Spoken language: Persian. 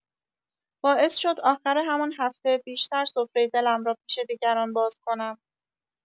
باعث شد آخر همان هفته بیشتر سفره دلم را پیش دیگران باز کنم.